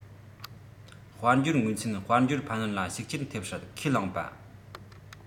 དཔལ འབྱོར དངོས ཚན དཔལ འབྱོར འཕར སྣོན ལ ཤུགས རྐྱེན ཐེབས སྲིད ཁས བླངས པ